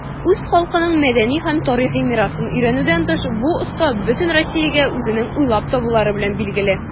Үз халкының мәдәни һәм тарихи мирасын өйрәнүдән тыш, бу оста бөтен Россиягә үзенең уйлап табулары белән билгеле.